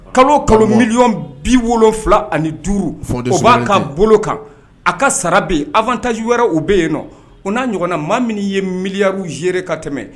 Kalo kalo miliy bi wolofila ani duuru u b'a ka bolo kan a ka sara bɛ yen afataji wɛrɛ u bɛ yen nɔ o n'a ɲɔgɔn na maa min ye miya ue ka tɛmɛ